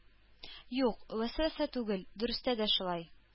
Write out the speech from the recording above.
Юк, вәсвәсә түгел, дөрестә дә шулай.